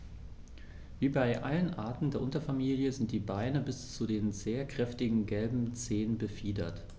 Wie bei allen Arten der Unterfamilie sind die Beine bis zu den sehr kräftigen gelben Zehen befiedert.